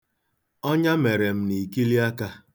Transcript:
Ọnya mere m n'ikiliaka.